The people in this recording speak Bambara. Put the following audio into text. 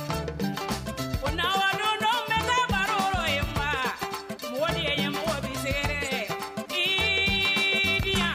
Baro in ma o ɲɛ mɔgɔ bɛse